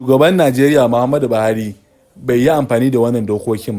Shugaban Najeriya Muhammadu Buhari bai yi amfani da waɗannan dokokin ba.